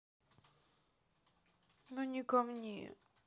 ну не ко мне